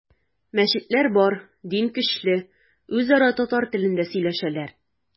Мәчетләр бар, дин көчле, үзара татар телендә сөйләшәләр.